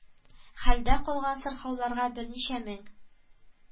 Хәлдә калган сырхауларга берничә мең